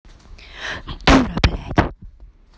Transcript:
дура блять